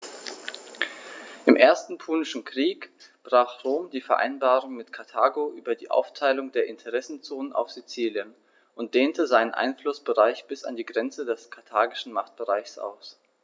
Im Ersten Punischen Krieg brach Rom die Vereinbarung mit Karthago über die Aufteilung der Interessenzonen auf Sizilien und dehnte seinen Einflussbereich bis an die Grenze des karthagischen Machtbereichs aus.